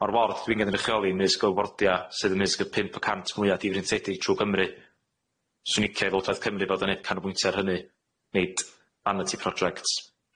ma'r ward dwi'n gynrychioli ymysg y wardia sydd ymysg y pump y cant mwya di-frintiedig trw' Cymru 'swn i'n licio i Llywodraeth Cymru fod yn neud canolbwyntio ar hynny nid faniti projects.